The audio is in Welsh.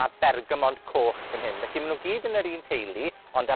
a Bergamond Coch fan hyn. Felly, ma' nw gyd yn yr un teulu. Ond â